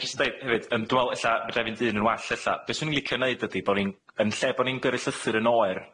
Ga i jyst yn deud hefyd yym dwi me'wl ella fedra i fynd un yn well ella be' 'swn i'n licio neud ydi bo ni'n, yn lle bo ni'n gyrru llythyr yn oer